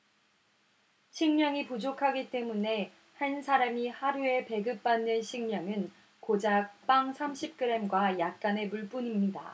식량이 부족하기 때문에 한 사람이 하루에 배급받는 식량은 고작 빵 삼십 그램과 약간의 물뿐입니다